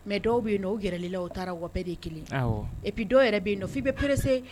Mɛ dɔw bɛ yen o gɛrɛlila o taara wa bɛɛ de kelen ep dɔw yɛrɛ bɛ yen nɔ fi bɛ pɛeres